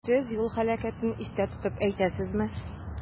Сез юл һәлакәтен истә тотып әйтәсезме?